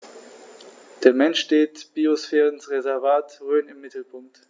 Der Mensch steht im Biosphärenreservat Rhön im Mittelpunkt.